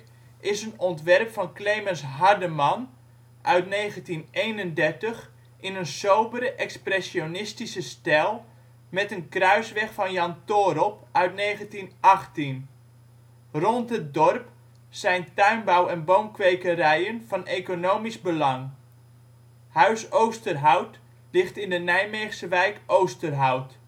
is een ontwerp van Clemens Hardeman uit 1931 in een sobere expressionistische stijl met een kruisweg van Jan Toorop uit 1918. Rond het dorp zijn tuinbouw en boomkwekerijen van economisch belang. Huis Oosterhout ligt in de Nijmeegse wijk Oosterhout